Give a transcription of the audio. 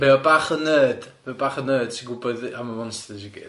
...mae o bach yn nerd, mae o bach yn nerd, sy'n gwbod am y monsters i gyd.